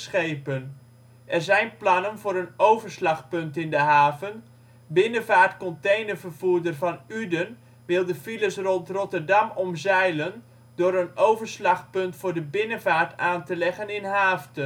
Er zijn plannen voor een overslagpunt in de haven: binnenvaartcontainervervoerder Van Uden wil de files rond Rotterdam omzeilen door een overslagpunt voor de binnenvaart aan te leggen in Haaften